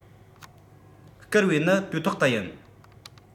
བསྐུར བའི ནི དུས ཐོག ཏུ ཡིན